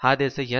ha desa